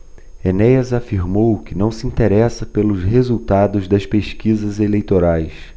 enéas afirmou que não se interessa pelos resultados das pesquisas eleitorais